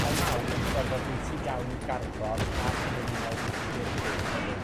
mae mawn yn storfa bwysig iawn i garbon a chynefinoedd natur prin hefyd.